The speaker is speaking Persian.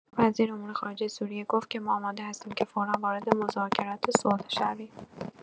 وزیر امور خارجه سوریه گفت که ما آماده هستیم که فورا وارد مذاکرات صلح شویم.